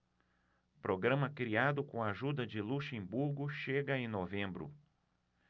programa criado com a ajuda de luxemburgo chega em novembro